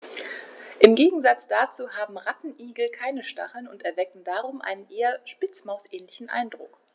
Im Gegensatz dazu haben Rattenigel keine Stacheln und erwecken darum einen eher Spitzmaus-ähnlichen Eindruck.